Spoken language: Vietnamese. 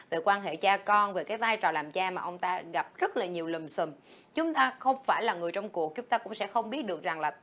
về quan hệ cha con về cái vai trò làm cha mà ông ta gặp rất là nhiều lùm xùm chúng ta không phải là người trong cuộc chúng ta cũng sẽ không biết được rằng là